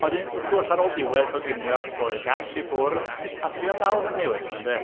A wedyn wrth gwrs, ar ôl diwedd coginio, troi'r gas i ffwrdd a trio dal i fyny wedyn, ynde?